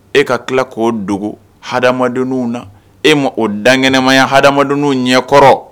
E ka tila k' oo dogo hadamadenww na e ma o dan kɛnɛmaya hadamad ɲɛkɔrɔ